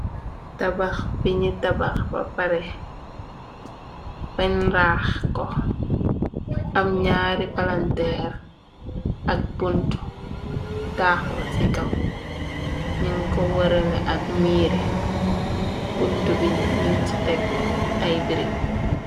Tabax bi ñi tabax ba pare, benyi raax ko, am ñaari palanteer ak buntu, taaxl a ci kaw nin ko wërale ak miire, bunt bi ning ci tekk ay birig.